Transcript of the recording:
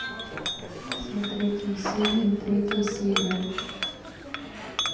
смотреть есенин третья серия